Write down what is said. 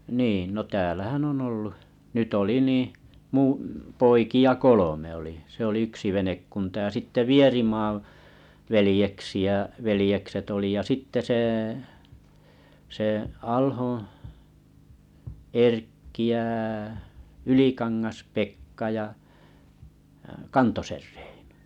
niin no täällähän on ollut nyt oli niin minun poikia kolme oli se oli yksi venekunta ja sitten Vierimaan veljeksiä veljekset oli ja sitten se se Alhon Erkki ja Ylikangas Pekka ja Reino